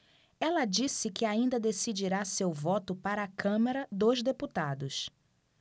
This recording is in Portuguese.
ela disse que ainda decidirá seu voto para a câmara dos deputados